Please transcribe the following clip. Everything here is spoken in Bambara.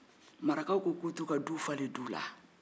marakaw ko k'u t'u duw falen du la